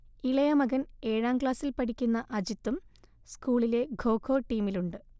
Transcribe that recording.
ഇളയമകൻ ഏഴാം ക്ലാസിൽ പഠിക്കുന്ന അജിത്തും സ്കൂളിലെ ഖോഖൊ ടീമിലുണ്ട്